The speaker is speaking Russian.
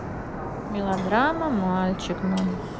мелодрама мальчик мой